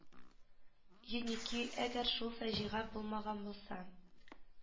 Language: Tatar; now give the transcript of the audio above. Еники әгәр шул фаҗига булмаган булса